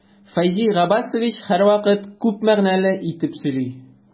Фәйзи Габбасович һәрвакыт күп мәгънәле итеп сөйли.